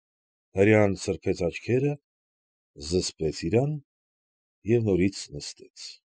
Հրեան սրբեց աչքերը, զսպեց իրան և նորից նստեց։ ֊